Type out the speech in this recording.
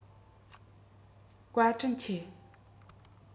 བཀའ དྲིན ཆེ